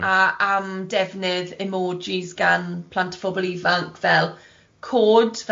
A am defnydd emojis gan plant a phobl ifanc fel cod,